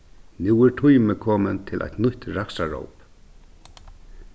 nú er tími komin til eitt nýtt rakstrarróp